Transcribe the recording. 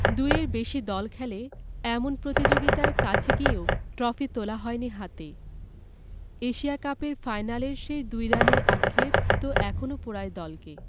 দুইয়ের বেশি দল খেলে এমন প্রতিযোগিতায় বেশ কাছে গিয়েও ট্রফি তোলা হয়নি হাতে এশিয়া কাপের ফাইনালের সেই ২ রানের আক্ষেপ তো এখনো পোড়ায় দলকে